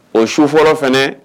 O su fɔra fana